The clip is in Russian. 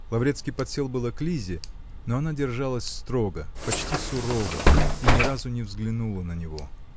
Лаврецкий подсел было к Лизе, но она держалась строго, почти сурово, и ни разу не взглянула на него.